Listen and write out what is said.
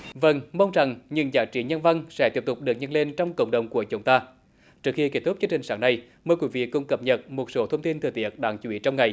vâng mong rằng những giá trị nhân văn sẽ tiếp tục được nhân lên trong cộng đồng của chúng ta trước khi kết thúc chương trình sáng nay mời quý vị cùng cập nhật một số thông tin thời tiết đáng chú ý trong ngày